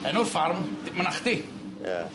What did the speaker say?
Enw'r ffarm, Mynachdy. Ie.